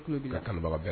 Baga